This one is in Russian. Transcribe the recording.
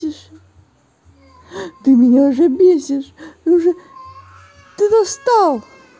ты меня уже бесишь ты достала уже